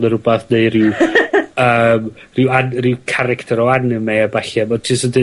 ne' rwbath neu ryw... ...yy ryw An- ryw character o anime a ballu a bo' jyst yn deud